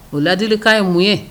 O ladili ka ye mun ye